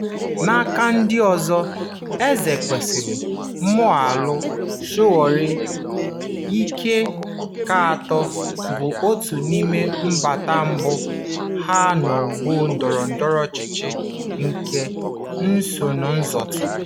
N'aka nke ọzọ, Ezekwesili, Moghalu, Sowore, "ike nke atọ", bụ òtù na-eme mbata mbụ ha n'ọgbọ ndọrọ ndọrọ ọchịchị nke nsonụzọòtù.